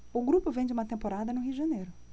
o grupo vem de uma temporada no rio de janeiro